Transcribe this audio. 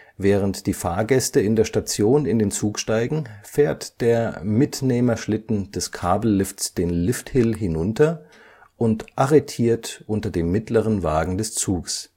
Während die Fahrgäste in der Station in den Zug steigen, fährt der Mitnehmerschlitten des Kabellifts den Lifthill hinunter und arretiert unter dem mittleren Wagen des Zugs